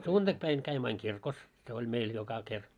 sunnuntaipäivänä kävimme aina kirkossa se oli meillä joka kerta